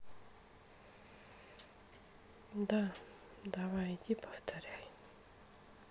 да давай иди повторяй